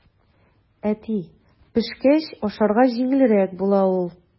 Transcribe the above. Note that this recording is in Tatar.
Әти, пешкәч ашарга җиңелрәк була ул.